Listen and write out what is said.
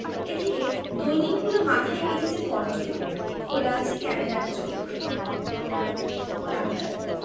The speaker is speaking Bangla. এদিকে দৈনিকগুলো মাথায় এঁটেছে পরচুলো খোলা আছে ক্যামেরার চোখ ডাক্তার